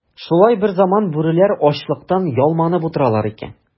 Шулай берзаман бүреләр ачлыктан ялманып утыралар икән.